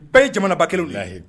Bɛɛ ye jamanaba kelenw la